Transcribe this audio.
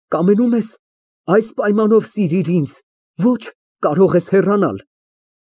Կամենում ես, այս պայմանով սիրիր ինձ, ոչ ֊ կարող ես հեռանալ։